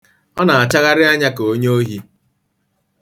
Ọ na-achagharị anya ka onye ohi.